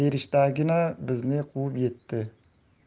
berishdagina bizni quvib yetdi